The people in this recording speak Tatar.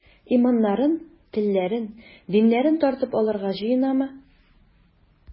Иманнарын, телләрен, диннәрен тартып алырга җыенамы?